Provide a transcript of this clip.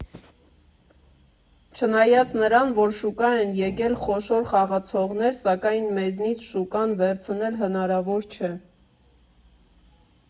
Չնայած նրան, որ շուկա են եկել խոշոր խաղացողներ, սակայն մեզնից շուկան վերցնել հնարավոր չէ։